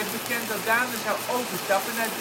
bekend dat Dane zou overstappen naar